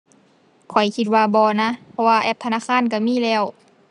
ข้อยคิดว่าบ่นะ เพราะว่าแอปธนาคารก็มีแล้ว